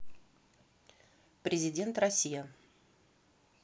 президент россия